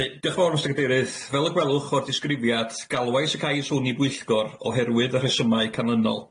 Felly diolch yn fawr Mr Cadeirydd, fel y gwelwch o'r disgrifiad galwais y cais hwn i bwyllgor oherwydd y rhesymau canlynol.